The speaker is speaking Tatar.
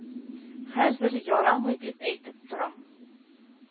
Хәзер ярамый дип әйтеп торам